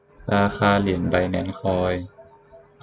ราคาเหรียญไบแนนซ์คอย